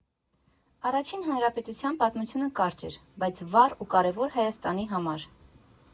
Առաջին հանրապետության պատմությունը կարճ էր, բայց վառ ու կարևոր Հայաստանի համար։